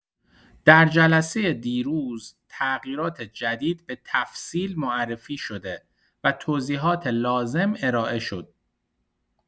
در جلسه دیروز، تغییرات جدید به‌تفصیل معرفی شده و توضیحات لازم ارائه شد.